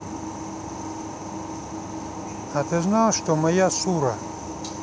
а ты знала что моя сура